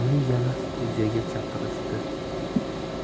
uni yana studiyaga chaqirishdi